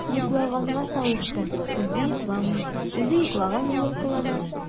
“йоклаганга салышты” – үзе йокламый, үзе йоклаган булып кылана.